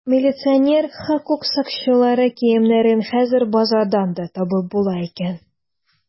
Милиционер, хокук сакчылары киемнәрен хәзер базардан да табып була икән.